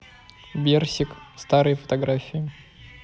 берсик старые фотографии